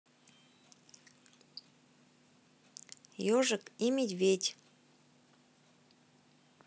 ежик и медведь